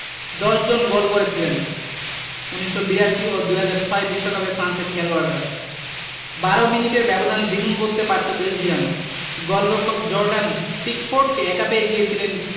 ১০ জন গোল করেছিলেন ১৯৮২ ও ২০০৬ বিশ্বকাপে ফ্রান্সের খেলোয়াড়রা ১২ মিনিটে ব্যবধান দ্বিগুণ করতে পারত বেলজিয়াম গোলরক্ষক জর্ডান পিকফোর্ডকে একা পেয়ে গিয়েছিলেন